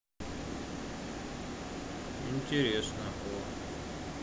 интересно о